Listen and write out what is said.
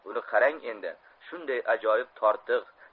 buni qarang endi shunday ajoyib tortiq